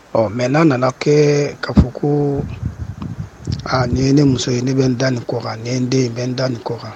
Ɔ mɛ n'a nana kɛ ka fɔ ko aa nin ye ne muso ye ne bɛ n nin kɔkan n n den bɛ n da nin kɔkan